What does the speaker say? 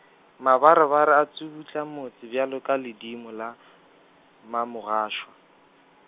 mabarebare a tšubutla motse bjalo ka ledimo la , mmamogašwa.